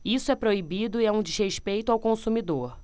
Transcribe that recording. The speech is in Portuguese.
isso é proibido e é um desrespeito ao consumidor